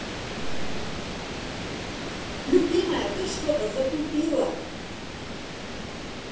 любимая ты что то затупила